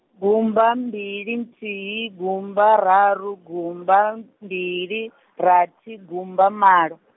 gumba mbili nthihi gumba raru gumba mbili, rathi gumba malo.